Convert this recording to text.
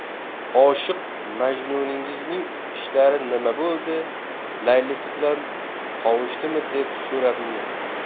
oshiq majnuningizning ishlari nima bo'ldi laylisi bilan qovushdimi deb so'radi u